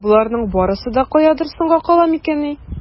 Боларның барсы да каядыр соңга кала микәнни?